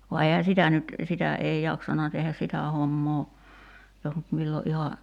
vaan eihän sitä nyt sitä ei jaksanut tehdä sitä hommaa jos nyt milloin ihan